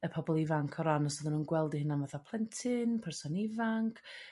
y pobl ifanc o ran os o'ddwn nhw'n gweld 'u hunan fatha plentyn person ifanc